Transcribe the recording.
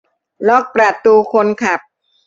ล็อกประตูคนขับ